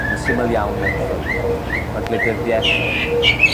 Yn syml iawn yn llwyr. Ma' gwleidyddieth